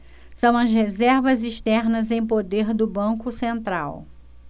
são as reservas externas em poder do banco central